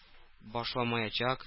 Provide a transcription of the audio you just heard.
Башламаячак